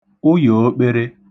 ụyòokpere